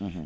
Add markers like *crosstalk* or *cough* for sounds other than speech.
*hesitation* *hesitation*